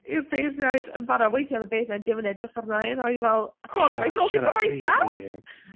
Yw’r beirniaid yn barod? Weithiau oedd y beirniaid ddim yn edrych arna i a o’n i fel "Sorry, am I talking to myself?"